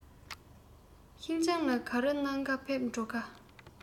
ཤིན ཅང ལ ག རེ གནང ག ཕེབས འགྲོ ག ཀ